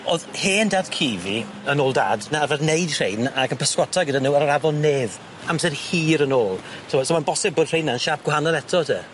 O'dd hen dad cu fi yn ôl dad yn arfer neud rhein ag yn pysgota gyda nw ar yr afon Nedd amser hir yn ôl t'mo' so ma'n bosib bod rheina'n siâp gwahanol eto te?